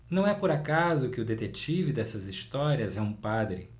não é por acaso que o detetive dessas histórias é um padre